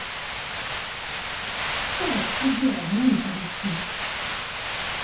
как тебя выключить